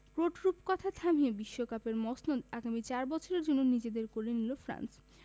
Croat রূপকথা থামিয়ে বিশ্বকাপের মসনদ আগামী চার বছরের জন্য নিজেদের করে নিল ফ্রান্স